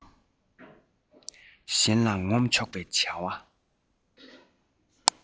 གཞན ལ ངོམ ཆོག པའི བྱ བ